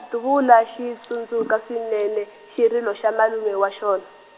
davula xi tsundzuka swinene, xirilo xa malume wa xona.